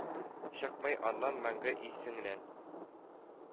Чыкмый аннан мәңге исеңнән.